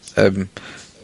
Yym.